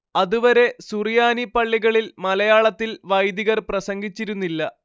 അതുവരെ സുറിയാനി പള്ളികളിൽ മലയാളത്തിൽ വൈദികർ പ്രസംഗിച്ചിരുന്നില്ല